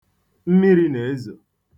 Mmiri na-ezo.